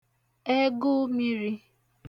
ẹgụū miri